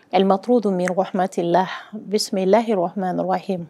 Alimauru don mimatila bisimila layi hi